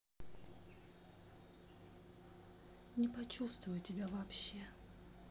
не почувствую тебя вообще